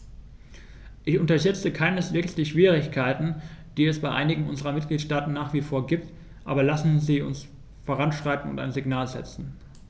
Ich unterschätze keineswegs die Schwierigkeiten, die es bei einigen unserer Mitgliedstaaten nach wie vor gibt, aber lassen Sie uns voranschreiten und ein Signal setzen.